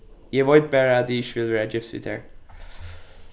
eg veit bara at eg ikki vil vera gift við tær